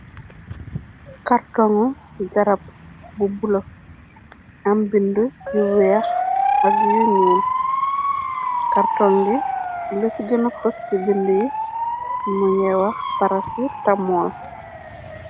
Kartonngyi garap bu bulo am bindeu yu weex ak yu nyuul kartongi lu ci gina foss si bindeu yi mungeh wax paracetamol